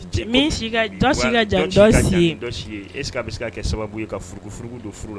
N'i si ,dɔ si ka jan dɔ si ye, est - ce que a bɛ se ka kɛ sababu ye ka furukufuruku don furu la wa?